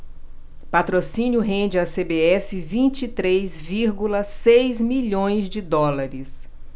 patrocínio rende à cbf vinte e três vírgula seis milhões de dólares